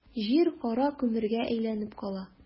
Җир кара күмергә әйләнеп кала.